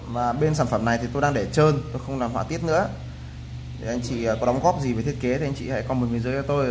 bên sản phẩm này tôi đang để trơn không làm họa tiết nữa anh chị có đóng góp gì về thiết kế hãy comment bên dưới